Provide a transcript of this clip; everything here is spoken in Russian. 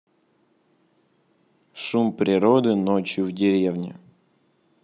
шум природы ночью в деревне